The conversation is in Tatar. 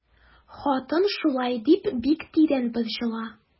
Хатын шулай дип бик тирән борчыла.